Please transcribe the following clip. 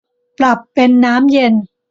ปรับเป็นน้ำเย็น